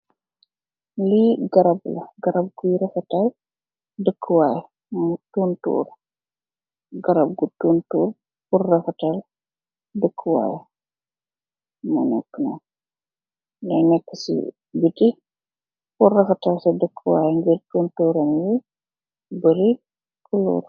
Lii garab la, garab buy rafetal dëkku way, muy toontor. Garab gu toontor, pur rafetal dëkku waay, moo néékë noon. Mooy neekë si bitti our rafetal dëkku waay. Toontur am yi bëri.